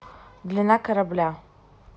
длина корабля